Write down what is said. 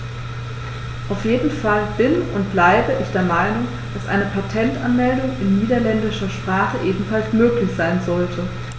Auf jeden Fall bin - und bleibe - ich der Meinung, dass eine Patentanmeldung in niederländischer Sprache ebenfalls möglich sein sollte.